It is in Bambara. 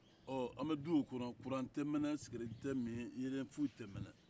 ɔ an bɛ du o kɔnɔ kuran tɛ mɛnɛ sigɛrɛti tɛ min yelen foyi te mɛnɛ